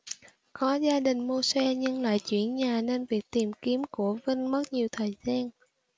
có gia đình mua xe nhưng lại chuyển nhà nên việc tìm kiếm của vinh mất nhiều thời gian